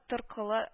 Торкылы